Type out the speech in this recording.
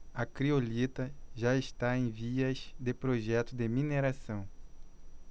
a criolita já está em vias de projeto de mineração